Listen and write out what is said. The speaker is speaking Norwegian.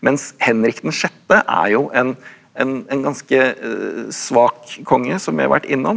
mens Henrik den sjette er jo en en en ganske svak konge som vi har vært innom.